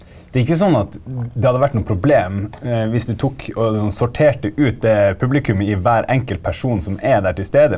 det er ikke sånn at det hadde vært noe problem hvis du tok og sorterte ut det publikummet i hver enkelt person som er der til stede.